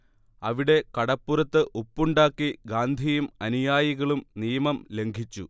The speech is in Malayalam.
അവിടെ കടപ്പുറത്ത് ഉപ്പുണ്ടാക്കി ഗാന്ധിയും അനുയായികളും നിയമം ലംഘിച്ചു